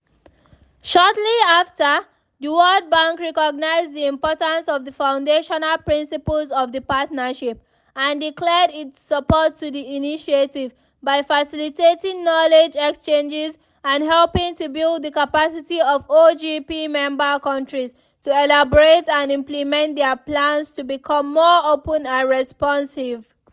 Shortly after, the World Bank recognized the importance of the foundational principles of the Partnership and declared its support to the initiative “by facilitating knowledge exchanges and helping to build the capacity of OGP member countries to elaborate and implement their plans to become more open and responsive.”